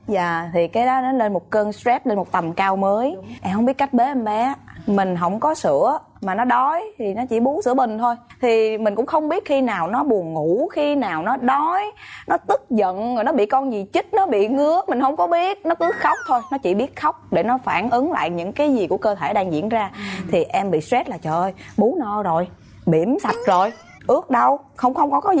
dạ thì cái đó nó lên một cơn soét lên một tầm cao mới em hông biết cách bế em bé mình hổng có sữa mà nó đói thì nó chỉ bú sữa bình thôi thì mình cũng không biết khi nào nó buồn ngủ khi nào nó đói nó tức giận rồi nó bị con gì chích nó bị ngứa mình hông có biết nó cứ khóc thôi nó chỉ biết khóc để nó phản ứng lại những cái gì của cơ thể đang diễn ra thì em bị soét là trời ơi cho bú no rồi bỉm sạch rồi ướt đâu không không có có